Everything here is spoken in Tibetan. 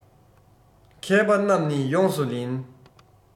མཁས པ རྣམས ནི ཡོངས སུ ལེན